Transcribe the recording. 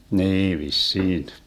niin vissiin